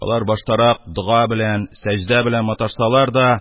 Алар баштарак дога белән, сәҗдә белән маташсалар да,